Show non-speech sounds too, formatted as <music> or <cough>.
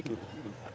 <hesitation> <hesitation>